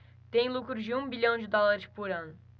tem lucro de um bilhão de dólares por ano